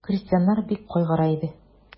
Крестьяннар бик кайгыра иде.